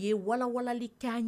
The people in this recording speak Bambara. U ye walanlanli kɛ